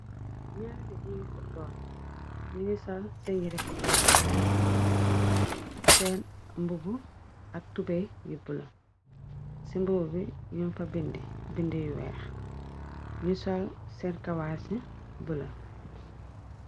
ñaar nit ñungi footboll ñu ngi sol seen yire footbole kaan seen mbuggu ak tubey yu bula ci mbug bi ñoon fa bind yu weex ñu sol seen kawaasi bula